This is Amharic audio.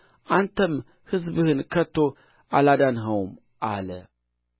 አንተም ሕዝብህን ከቶ አላዳንኸውም አለ